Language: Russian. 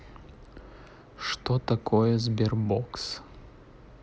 что такое sberbox